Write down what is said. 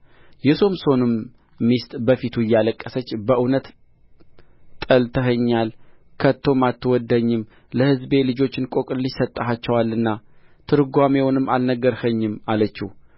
የሶምሶንም ሚስት በፊቱ እያለቀሰች በእውነት ጠልተኸኛል ከቶም አትወድደኝም ለሕዝቤ ልጆች እንቈቅልሽ ሰጥተሃቸዋልና ትርጓሜውንም አልነገርኸኝም አለችው